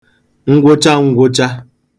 ngwụcha n̄gwụ̄chā